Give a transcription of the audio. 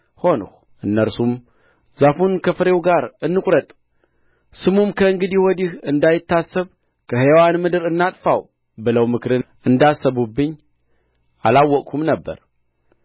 ሆንሁ እነርሱም ዛፉን ከፍሬው ጋር እንቍረጥ ስሙም ከእንግዲህ ወዲህ እንዳይታሰብ ከሕያዋን ምድር እናጥፋው ብለው ምክርን እንዳሰቡብኝ አላወቅሁም ነበር